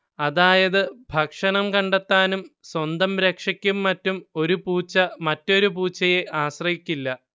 അതായത് ഭക്ഷണം കണ്ടെത്താനും സ്വന്തം രക്ഷയ്ക്കും മറ്റും ഒരു പൂച്ച മറ്റൊരു പൂച്ചയെ ആശ്രയിക്കില്ല